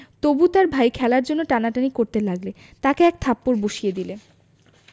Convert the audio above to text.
তবু তার ভাই খেলার জন্যে টানাটানি করতে লাগল তাকে এক থাপ্পড় বসিয়ে দিলে